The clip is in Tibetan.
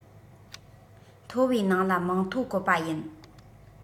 མཐོ བའི ནང ལ མིང ཐོ བཀོད པ ཡིན